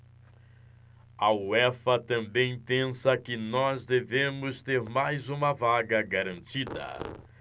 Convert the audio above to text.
a uefa também pensa que nós devemos ter mais uma vaga garantida